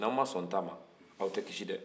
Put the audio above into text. n'aw ma sɔn n ta ma aw tɛ kisi dɛ